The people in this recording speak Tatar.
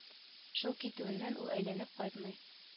Шул китүеннән ул әйләнеп кайтмый